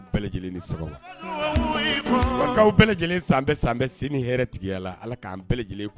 Lajɛlen san bɛɛ san bɛɛ sen h tigɛya la ala k'an bɛɛ lajɛlen